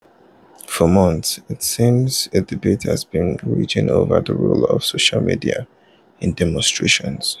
For months it seems, a debate has been raging over the role of social media in demonstrations.